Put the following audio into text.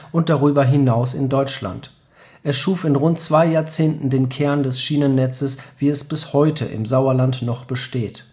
und darüber hinaus in Deutschland. Es schuf in rund zwei Jahrzehnten den Kern des Schienennetzes, wie es bis heute im Sauerland noch besteht